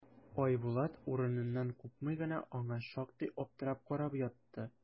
Айбулат, урыныннан купмый гына, аңа шактый аптырап карап ятты.